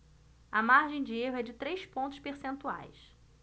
a margem de erro é de três pontos percentuais